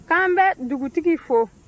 k'an bɛ dugutigi fo